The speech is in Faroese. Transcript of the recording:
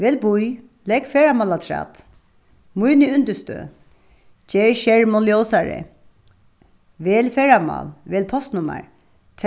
vel bý legg ferðamál afturat míni støð ger skermin ljósari vel ferðamál vel postnummar